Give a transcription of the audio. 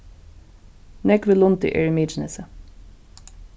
nógvur lundi er í mykinesi